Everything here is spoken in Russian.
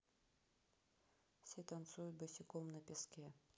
все танцуют босиком на песке